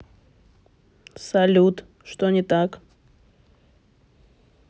салют что не так